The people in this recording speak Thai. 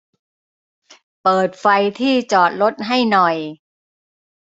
เปิดไฟที่จอดรถให้หน่อย